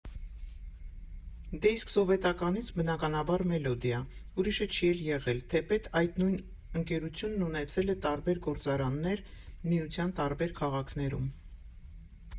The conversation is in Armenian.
Դե իսկ սովետականից, բնականաբար, «Մելոդիա», ուրիշը չի էլ եղել, թեպետ այդ նույն ընկերությունն ունեցել է տարբեր գործարաններ՝ Միության տարբեր քաղաքներում։